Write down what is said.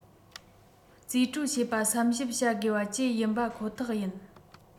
རྩིས སྤྲོད བྱས པ བསམ ཞིབ བྱ དགོས པ བཅས ཡིན པ ཁོ ཐག ཡིན